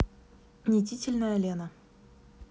не тительная лена